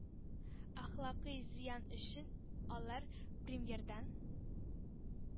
Әхлакый зыян өчен алар премьердан